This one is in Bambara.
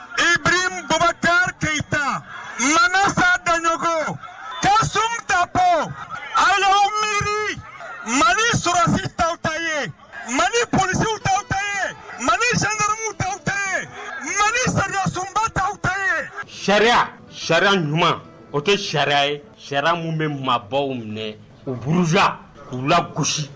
I bɛ bamakɔkari keyita ta ma sadaɲɔgɔnkɔ ka sun ta bɔ ali miiriri mali ssi' ta ye mali psiw taye mali sakamu ta mali sa sunba ta ye sariya sariya ɲuman o kɛ sariya ye sariya bɛ mabɔbaww minɛ u buruz u la gosi